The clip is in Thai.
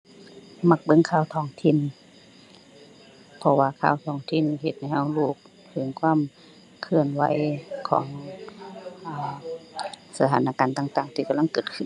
มักเบิ่งข่าวท้องถิ่น เพราะว่าข่าวท้องถิ่นเฮ็ดให้เรารู้ถึงความเคลื่อนไหวของ อ่า สถานการณ์ต่างต่างที่กำลังเกิดขึ้น